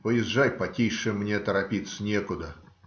Поезжай потише: мне торопиться некуда.